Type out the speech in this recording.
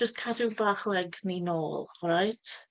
Jyst cadw bach o egni nôl, alright?